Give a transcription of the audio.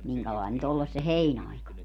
minkälainen nyt olle se heinäaika